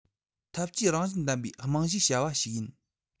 ཐབས ཇུས རང བཞིན ལྡན པའི རྨང གཞིའི བྱ བ ཞིག ཡིན